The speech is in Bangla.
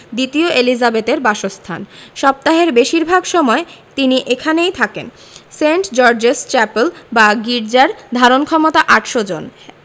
দ্বিতীয় এলিজাবেথের বাসস্থান সপ্তাহের বেশির ভাগ সময় তিনি এখানেই থাকেন সেন্ট জর্জেস চ্যাপেল বা গির্জার ধারণক্ষমতা ৮০০ জন